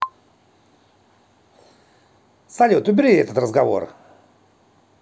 салют убери этот разговор